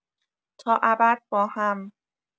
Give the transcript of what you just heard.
تا ابد باهم